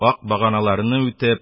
Ак баганаларны үтеп,